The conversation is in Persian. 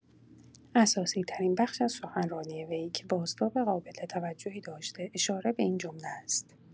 اساسی‌ترین بخش از سخنرانی وی که بازتاب قابل توجهی داشته اشاره به این جمله است